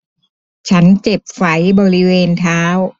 ฉันเจ็บไฝบริเวณเท้า